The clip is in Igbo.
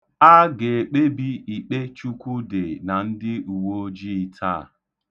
A ga-ekpebi ikpe Chukwudị na ndịuweojii taa.